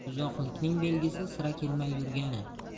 uzoqlikning belgisi sira kelmay yurgani